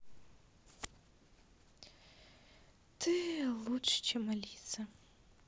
ты лучше чем алиса